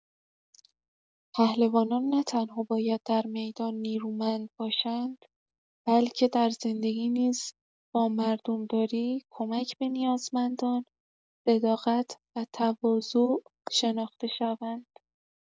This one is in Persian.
پهلوانان نه‌تنها باید در میدان نیرومند باشند، بلکه در زندگی نیز با مردم‌داری، کمک به نیازمندان، صداقت و تواضع شناخته شوند.